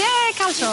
Ie ca'l tro.